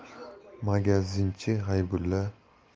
olasizmi yoki magazinchi g'aybulla